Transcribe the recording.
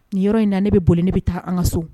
Ni yɔrɔ in na ne bɛ boli ne bɛ taa an ka so